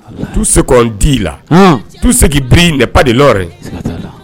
Se' i la' segin bip de